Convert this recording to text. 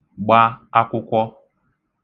gba akwụkwọ